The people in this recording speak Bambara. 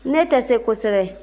ne tɛ se kosɛbɛ